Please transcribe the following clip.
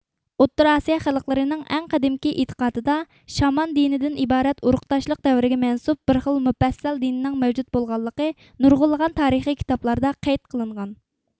ئوتتۇرا ئاسىيا خەلقلىرىنىڭ ئەڭ قەدىمكى ئېتىقادىدا شامان دىنىدىن ئىبارەت ئۇرۇقداشلىق دەۋرىگە مەنسۇپ بىر خىل مۇپەسسەل دىننىڭ مەۋجۇت بولغانلىقى نۇرغۇنلىغان تارىخىي كىتابلاردا قەيت قىلىنغان